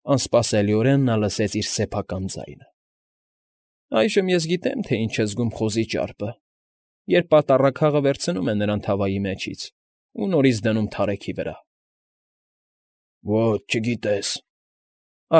Անսպասելիորեն նա լսեց իր սեփական ձայնը. ֊ Այժմ ես գիտեմ, թե ինչ է զգում խոզի ճարպը, երբ պատառաքաղը վերցնում է նրան թավայի միջից և նորից դնում թարեքի վրա։ ֊ Ո՛չ, չգիտե՛ս,֊